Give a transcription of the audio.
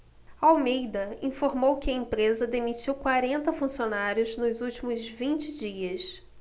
almeida informou que a empresa demitiu quarenta funcionários nos últimos vinte dias